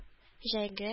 Җәйге